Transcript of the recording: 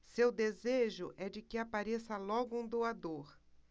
seu desejo é de que apareça logo um doador